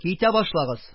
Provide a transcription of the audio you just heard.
Китә башлагыз,